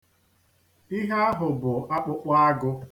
Ihe ahụ bụ akpụkpọ agụ.